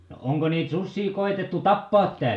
no onko niitä susia koetettu tappaa täällä